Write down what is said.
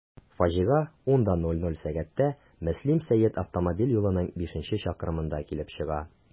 Фаҗига 10.00 сәгатьтә Мөслим–Сәет автомобиль юлының бишенче чакрымында килеп чыга.